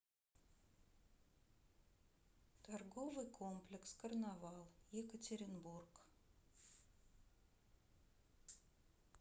торговый комплекс карнавал екатеринбург